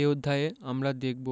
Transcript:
এ অধ্যায়ে আমরা দেখব